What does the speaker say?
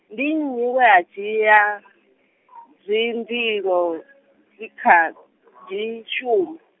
ndi nnyi wea dzhia dzinḓilo, dzikhadzi, shuma?